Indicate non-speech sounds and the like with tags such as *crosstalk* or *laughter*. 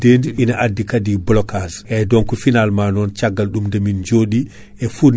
*noise* *noise* sa waddimo e awdi ma a waɗi dose mo poɗɗa wadde hen o